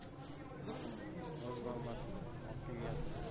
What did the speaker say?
o'z navbatida hokimiyatni o'g'liga topshirish masalasi